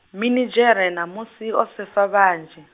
minidzhere mamusi o sefa vhanzhi.